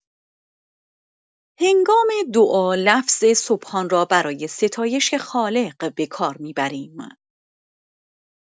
هنگام دعا، لفظ سبحان را برای ستایش خالق به کار می‌بریم.